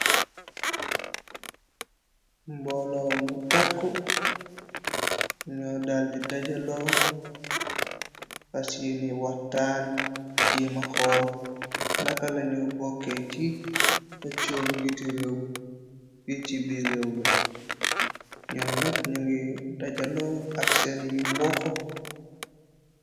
Mbooloo mu tàkk ñoo dal di dajaloo pasyeni wahtaan jéema hool naka laño bokke ci tacoom njiiti réew fi ci bir réew mi ñoom nak ñu ngi dajaloo ak seen yu mboh.